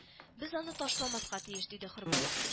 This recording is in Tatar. — без аны ташламаска тиеш, — диде хөрмәт